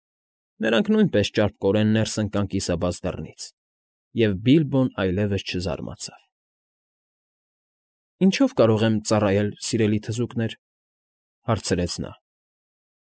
Նրանք նույնպես ճարպկորեն ներս ընկան կիսաբաց դռնից, և Բիլբոն այլևս չզարմացավ։ ֊ Ինչո՞վ կարող եմ ծառայել, սիրելի թզուկներ, ֊ հարցրեց նա։ ֊